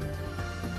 San